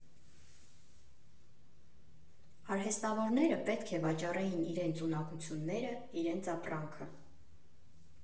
Արհեստավորները պետք է վաճառեին իրենց ունակությունները, իրենց ապրանքը։